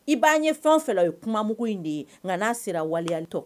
I b'an ye fɛn fɛ ye kumam in de ye nka n'a sera waliyatɔ